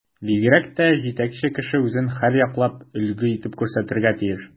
Бигрәк тә җитәкче кеше үзен һәрьяклап өлге итеп күрсәтергә тиеш.